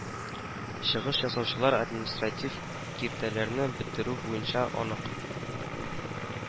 Чыгыш ясаучылар административ киртәләрне бетерү буенча анык